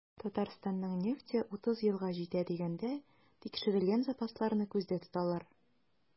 Татарстанның нефте 30 елга җитә дигәндә, тикшерелгән запасларны күздә тоталар.